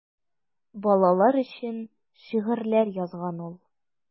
Балалар өчен шигырьләр язган ул.